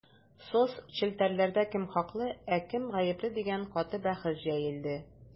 Соцчелтәрләрдә кем хаклы, ә кем гапле дигән каты бәхәс җәелде.